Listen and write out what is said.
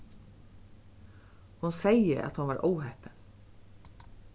hon segði at hon var óheppin